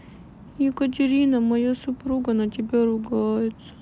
екатерина моя супруга на тебя ругается